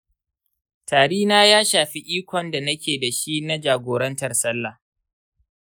tari na ya shafi ikon da nake da shi na jagorantar sallah.